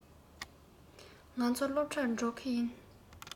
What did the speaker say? ང ཚོ སློབ གྲྭར འགྲོ གི ཡིན